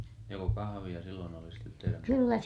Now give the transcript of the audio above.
joko kahvia silloin oli sitten teidän nuoruudessa